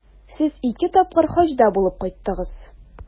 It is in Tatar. Сез ике тапкыр Хаҗда булып кайттыгыз.